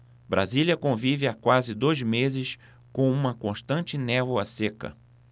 brasília convive há quase dois meses com uma constante névoa seca